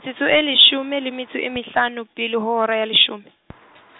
-tsotso e leshome le metso e mehlano, pele ho hora ya leshome .